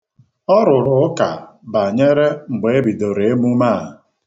Ọ rụrụ ụka banyere mgbe e bidoro emume a.